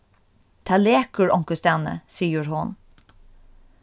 tað lekur onkustaðni sigur hon